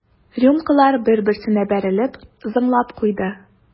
Рюмкалар бер-берсенә бәрелеп зыңлап куйды.